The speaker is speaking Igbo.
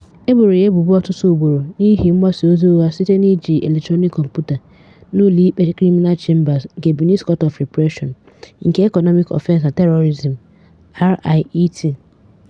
E boro ya ebubo ọtụtụ ugboro n'ihi "mgbasa ozi ụgha site n'iji eletrọniik kọmputa" n'ụlọikpe Criminal Chamber nke Benin's Court of Repression nke Economic Offenses na Terrorism CRIET).